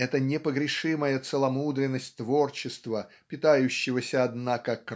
эта непогрешимая целомудренность творчества питающегося однако